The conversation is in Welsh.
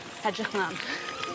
Edrych mlan.